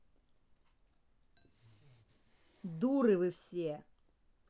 дуры вы все